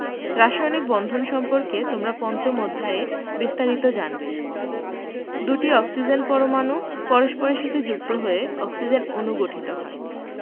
রাসায়নিক বন্ধন সম্পর্কে তোমরা পঞ্চম অধ্যায়ে বিস্তারিত জানবে দুটি অক্সিজেন পরমাণু পরস্পরের সাথে যুক্ত হয়ে অক্সিজেন অণু গঠিত হয়